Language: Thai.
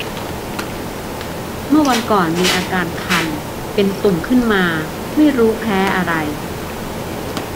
เมื่อวันก่อนมีอาการคันเป็นตุ่มขึ้นมาไม่รู้แพ้อะไร